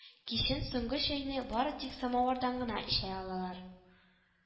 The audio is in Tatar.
Кичен, соңгы чәйне бары тик самовардан гына эчә алалар